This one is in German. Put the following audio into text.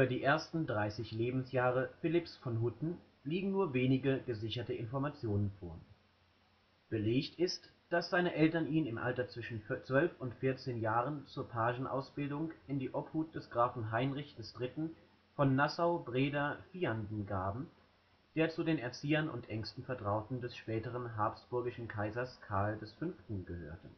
ersten dreißig Lebensjahre Philipps von Hutten liegen nur wenige gesicherte Informationen vor. Belegt ist, dass seine Eltern ihn im Alter zwischen zwölf und vierzehn Jahren zur Pagenausbildung in die Obhut des Grafen Heinrich III. von Nassau-Breda-Vianden gaben, der zu den Erziehern und engsten Vertrauten des späteren habsburgischen Kaisers Karl V. gehörte